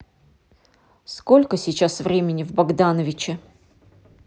сколько сейчас время в богдановиче